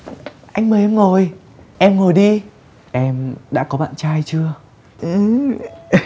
anh mời em ngồi em ngồi đi em đã có bạn trai chưa ứ